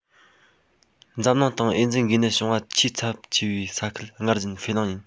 འཛམ གླིང སྟེང ཨེ ཙི འགོས ནད བྱུང བ ཆེས ཚབས ཆེ བའི ས ཁུལ སྔར བཞིན ཧྥེ གླིང ཡིན